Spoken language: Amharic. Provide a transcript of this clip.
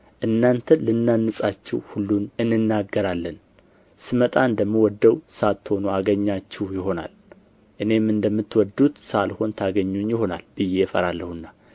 እናንተን ልናንጻችሁ ሁሉን እንናገራለን ስመጣ እንደምወደው ሳትሆኑ አገኛችሁ ይሆናል እኔም እንደምትወዱት ሳልሆን ታገኙኝ ይሆናል ብዬ እፈራለሁና